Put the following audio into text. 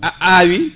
a awi